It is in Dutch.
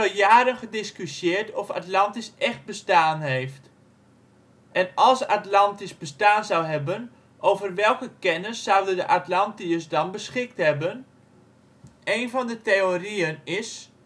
jaren gediscussieerd of Atlantis echt bestaan heeft. En als Atlantis bestaan zou hebben, over welke kennis zouden de Atlantiërs dan beschikt hebben? Eén van de theorieën is